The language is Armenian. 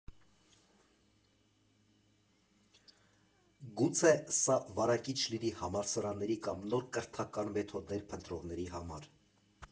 Գուցե սա վարակիչ լինի համալսարանների կամ նոր կրթական մեթոդներ փնտրողների համար։